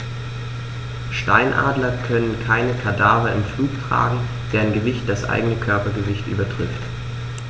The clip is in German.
Steinadler können keine Kadaver im Flug tragen, deren Gewicht das eigene Körpergewicht übertrifft.